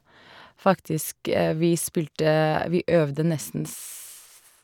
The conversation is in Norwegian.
Faktisk vi spilte vi øvde nesten s...